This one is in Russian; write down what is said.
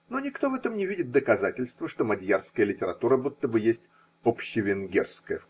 но никто в этом не видит доказательства, что мадьярская литература будто бы есть общевенгерская.